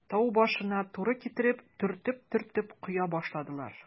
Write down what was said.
Тау башына туры китереп, төртеп-төртеп коя башладылар.